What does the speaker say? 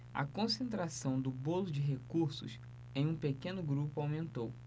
a concentração do bolo de recursos em um pequeno grupo aumentou